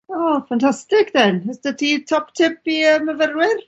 O ffantastic 'den. O's 'da ti top tip i yy myfyrwyr?